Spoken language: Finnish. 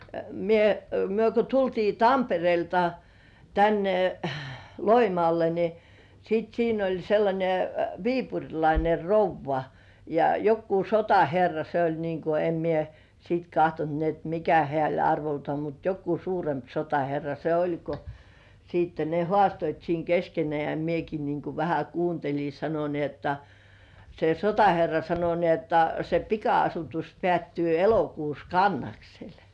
minä me kun tultiin Tampereelta tänne Loimaalle niin sitten siinä oli sellainen viipurilainen rouva ja joku sotaherra se oli niin kuin en minä sitten katsonut niin että mikä hän oli arvoltaan mutta joku suurempi sotaherra se oli kun sitten ne haastoivat siinä keskenään ja minäkin niin kuin vähän kuuntelin sanoi niin jotta se sotaherra sanoi niin jotta se pika-asutus päättyy elokuussa Kannaksella